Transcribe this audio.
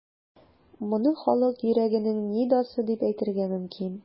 Моны халык йөрәгенең нидасы дип әйтергә мөмкин.